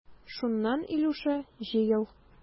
Шуннан, Илюша, җыел.